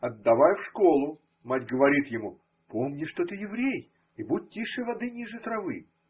Отдавая в школу, мать говорит ему: – Помни, что ты еврей, и будь тише воды, ниже травы.